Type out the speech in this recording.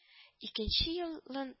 Икенче ел ын